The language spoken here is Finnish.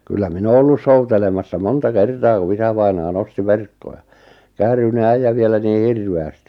kyllä minä olen ollut soutelemassa monta kertaa kun isävainaja nosti verkkoja käärynen äijä vielä niin hirveästi